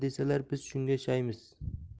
desalar biz shunga shaymiz